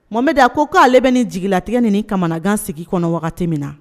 Mohamɛdi a ko k'ale bɛ nin jigi latigɛ ni nin kamanagan sigi kɔnɔ waati min na